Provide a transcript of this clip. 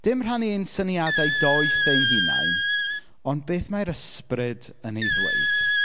Dim rhannu ein syniadau doeth ein hunain, ond beth mae'r ysbryd yn ei ddweud.